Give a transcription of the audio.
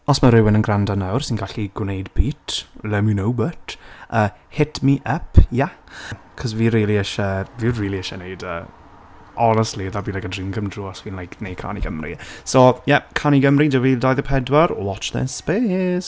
Os 'ma rywun yn grando nawr sy'n gallu gwneud beat, let me know, butt, uh hit me up, yah, cos fi rili isie, fi really ishe neud e. Honestly that be like a dream come true os fi'n, like, wneud Cân i Gymru, so ie, Cân i Gymru dwy fil dauddeg pedwar, watch this space.